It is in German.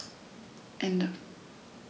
Ende.